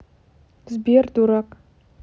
сбер дурак